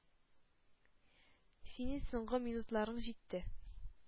— синең соңгы минутларың җитте.